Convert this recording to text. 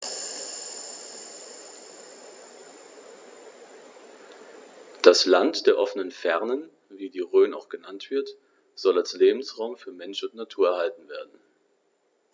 Das „Land der offenen Fernen“, wie die Rhön auch genannt wird, soll als Lebensraum für Mensch und Natur erhalten werden.